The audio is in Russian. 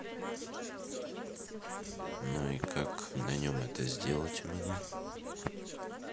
ну и как на нем это сделать у меня